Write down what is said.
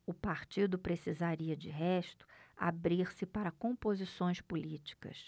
o partido precisaria de resto abrir-se para composições políticas